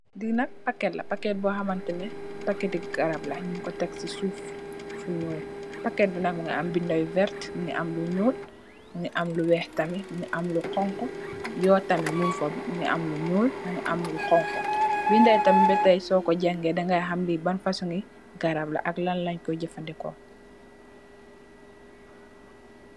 Lii nak packet la, packet bor hamanteh neh packeti garab la, njung kor tek cii suff fu njull, packet bii nak mungy am binda yu vertue, mungy am lu njull, mungy am lu wekh tamit, mungy am lu khonku, yohh tamit mung fa, mungy am lu njull, mungy am lu honhu, binda yii tamit beh teii sor kor jangeh danga ham li ban fasoni garab la ak lan langh koi jeufandehkor.